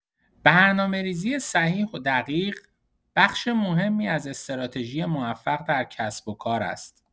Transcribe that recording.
برنامه‌ریزی صحیح و دقیق، بخش مهمی از استراتژی موفق در کسب‌وکار است.